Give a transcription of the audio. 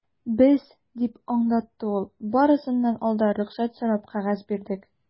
Без, - дип аңлатты ул, - барысыннан алда рөхсәт сорап кәгазь бирдек.